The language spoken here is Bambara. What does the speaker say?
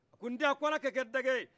ko nden ala ka a kɛ dagɛ ye